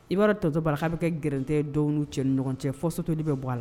I b'a tɔto bara k'a bɛ kɛ gɛrɛte don cɛ ni ɲɔgɔn cɛ fo sotuli bɛ bɔ a la